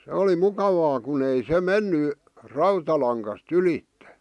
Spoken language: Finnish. se oli mukavaa kun ei se mennyt rautalangasta ylitse